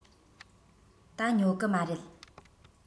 ད ཉོ གི མ རེད